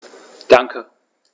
Danke.